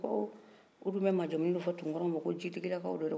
ko u dun bɛ majamuni dɔ fɔ tunkaraw ma ko jitigilakaw do ɛɛ